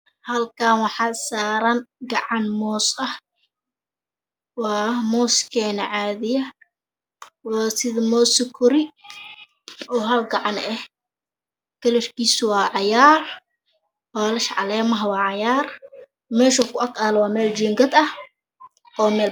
Mashan waa yalo moos kalar kisi waa cagar